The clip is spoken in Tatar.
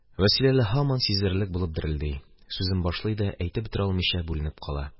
Вәсилә әле һаман сизелерлек булып дерелди, сүзен башлый да әйтеп бетерә алмыйча бүленеп кала.